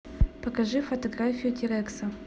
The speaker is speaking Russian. покажи фотографию тирекса